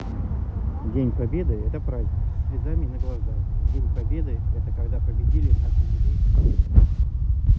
день победы это праздник со слезами на глазах день победы это когда победили наши деды фашистов